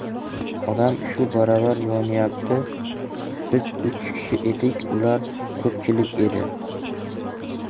odam shu baravar yonyapti biz uch kishi edik ular ko'pchilik edi